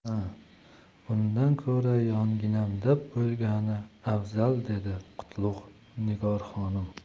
ha undan ko'ra yonginamda bo'lgani afzal dedi qutlug' nigor xonim